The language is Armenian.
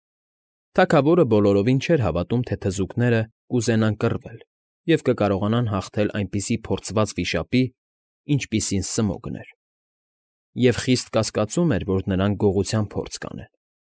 Թագավորը բոլորովին չէր հավատում, թե թզուկները կուզենան կռվել և կկարողանան հաղթել այնպիսի փորձված վիշապի, ինչպիսին Սմոգն էր, և խիստ կասկածում էր, որ նրանք գողության փորձ կանեն։